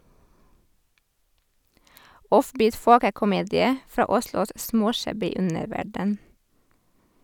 Off-beat folkekomedie fra Oslos småshabby underverden.